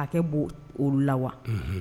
Ka kɛ' olu la wa